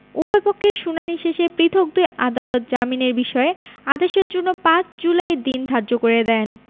উভয়পক্ষের শুনানি শেষে পৃথক দুই আদালত জামিনের বিষয়ে আদেশের জন্য ৫ জুলাই দিন ধার্য করে দেন